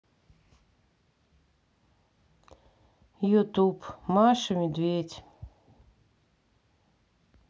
ютуб маша медведь